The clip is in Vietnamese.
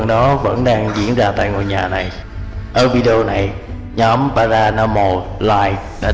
vẫn đang diễn ra tại ngôi nhà này video này ở video này paranormal light đã